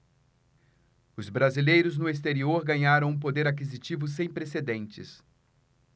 os brasileiros no exterior ganharam um poder aquisitivo sem precedentes